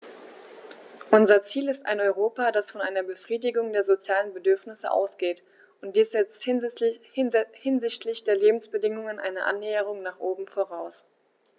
Unser Ziel ist ein Europa, das von einer Befriedigung der sozialen Bedürfnisse ausgeht, und dies setzt hinsichtlich der Lebensbedingungen eine Annäherung nach oben voraus.